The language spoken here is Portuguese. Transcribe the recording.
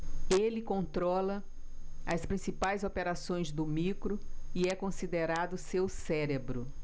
ele controla as principais operações do micro e é considerado seu cérebro